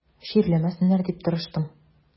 Чирләмәсеннәр дип тырыштым.